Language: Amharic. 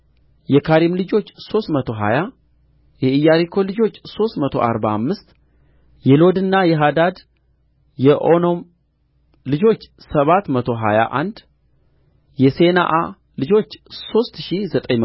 የካሪም ልጆች ሦስት መቶ ሀያ የኢያሪኮ ልጆች ሦስት መቶ አርባ አምስት የሎድና የሐዲድ የኦኖም ልጆች ሰባት መቶ ሀያ አንድ የሴናዓ ልጆች ሦስት ሺህ ዘጠኝ